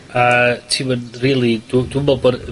...yy ti'm yn rili dw dw me'wl bod